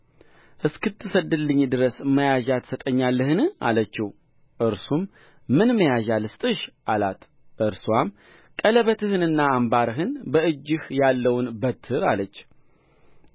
እስክትሰድድልኝ ድረስ መያዣ ትሰጠኛለህን አለችው እርሱም ምን መያዣ ልስጥሽ አላት እርስዋም ቀለበትህን አምባርህን በእጅህ ያለውን በትር አለች